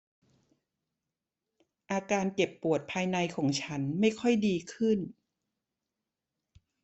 อาการเจ็บปวดภายในของฉันไม่ค่อยดีขึ้น